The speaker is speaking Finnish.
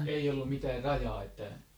ei ollut mitään rajaa että